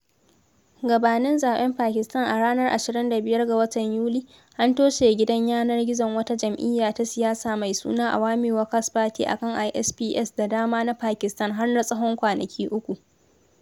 Gabanin zaɓen Pakistan a ranar 25 ga Yuli, an toshe gidan yanar gizon wata jam'iyya ta siyasa mai suna Awami Workers Party a kan ISPs da dama na Pakistan har na tsawon kwanaki uku.